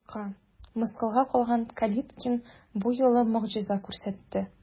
Оятка, мыскылга калган Калиткин бу юлы могҗиза күрсәтте.